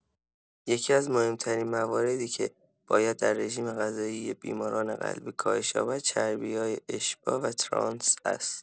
یکی‌از مهم‌ترین مواردی که باید در رژیم‌غذایی بیماران قلبی کاهش یابد چربی‌های اشباع و ترانس است.